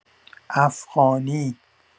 افغانی